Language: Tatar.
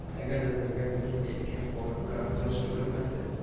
Әгәр дә мәгәр мин әйткән вакытка таҗ өлгермәсә